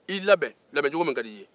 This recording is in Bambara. i labɛn labɛn cogo min ka di i ye